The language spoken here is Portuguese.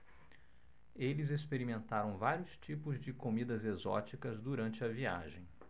eles experimentaram vários tipos de comidas exóticas durante a viagem